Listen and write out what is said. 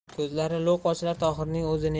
ko'zlari lo'q ochlar tohirning o'zini